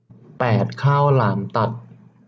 แปดข้าวหลามตัด